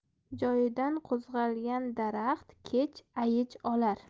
joyidan qo'zg'algan daraxt kech ayj olar